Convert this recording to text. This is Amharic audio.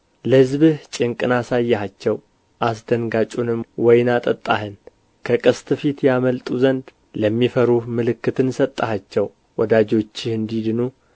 ለሕዝብህ ጭንቅን አሳየሃቸው አስደንጋጩንም ወይን አጠጣኸን ከቀስት ፊት ያመልጡ ዘንድ ለሚፈሩህ ምልክትን ሰጠሃቸው ወዳጆችህ እንዲድኑ